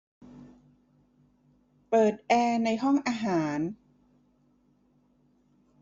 เปิดแอร์ในห้องอาหาร